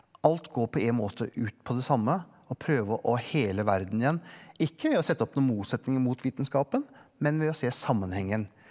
alt går på en måte ut på det samme, å prøve å hele verden igjen, ikke ved å sette opp noen motsetninger mot vitenskapen, men ved å se sammenhengen.